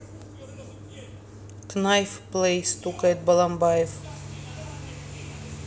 knife play стукает баламбаев